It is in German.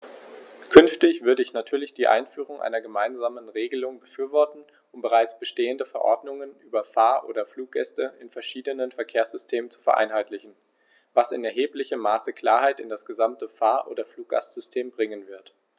Künftig würde ich natürlich die Einführung einer gemeinsamen Regelung befürworten, um bereits bestehende Verordnungen über Fahr- oder Fluggäste in verschiedenen Verkehrssystemen zu vereinheitlichen, was in erheblichem Maße Klarheit in das gesamte Fahr- oder Fluggastsystem bringen wird.